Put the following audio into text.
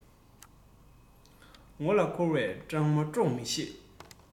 ངོ ལ འཁོར བའི སྦྲང མ དཀྲོག མི ཤེས